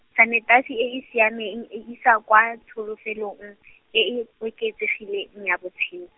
sanetasi e e siameng e isa kwa tsholofelong, e e oketsegileng ya botshe-.